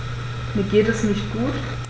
Mir geht es nicht gut.